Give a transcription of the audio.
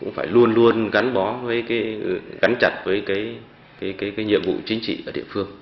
cũng phải luôn luôn gắn bó với cái gắn chặt với cái cái cái cái nhiệm vụ chính trị ở địa phương